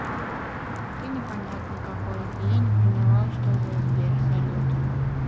ты непонятный какой то я не поняла что за сбер салют